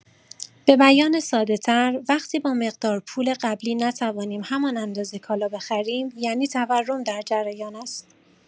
به بیان ساده‌‌تر، وقتی با مقدار پول قبلی نتوانیم همان اندازه کالا بخریم، یعنی تورم در جریان است.